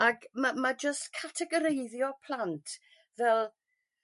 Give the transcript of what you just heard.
Ag ma' ma' jyst categoreiddio plant fel